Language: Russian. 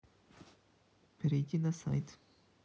перейди на сайт